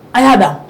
A y'a da.